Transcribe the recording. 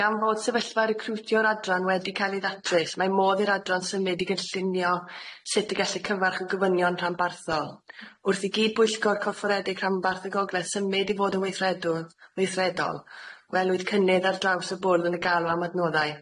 Gan fod sefyllfa recrwtio'r adran wedi cael ei ddatrys, mae modd i'r adran symud i gynllunio sut y gellir cyfarch y gofynion rhanbarthol, wrth i gydbwyllgor corfforedig rhanbarth y gogledd symud i fod yn weithredw- weithredol gwelwyd cynnydd ar draws y bwrdd yn y galw am adnoddau.